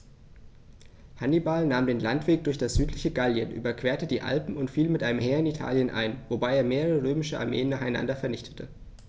Hannibal nahm den Landweg durch das südliche Gallien, überquerte die Alpen und fiel mit einem Heer in Italien ein, wobei er mehrere römische Armeen nacheinander vernichtete.